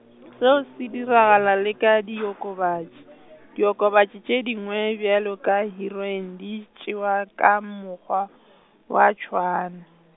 seo se diragala le ka diokobatši, diokobatši tše dingwe bjalo ka heroin di tšewa ka mokgwa, wa tšhwaana.